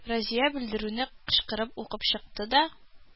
Разия белдерүне кычкырып укып чыкты да: